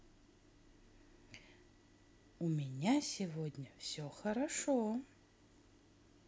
у меня сегодня все хорошо